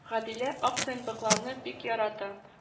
Гадилә ак төнбоекларны бик ярата